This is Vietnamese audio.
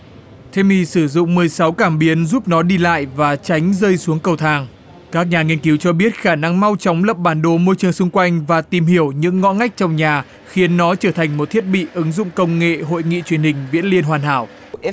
the mi sử dụng mười sáu cảm biến giúp nó đi lại và tránh rơi xuống cầu thang các nhà nghiên cứu cho biết khả năng mau chóng lập bản đồ môi trường xung quanh và tìm hiểu những ngõ ngách trong nhà khiến nó trở thành một thiết bị ứng dụng công nghệ hội nghị truyền hình viễn liên hoàn hảo